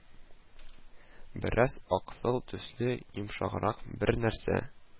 Бераз аксыл төсле, йомшаграк бер нәрсә